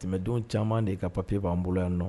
Dɛmɛdenw caman de ka papier b'an bolo yanninɔ